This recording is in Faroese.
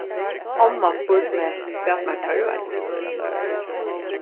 omma spurdi meg hvat mær tørvaði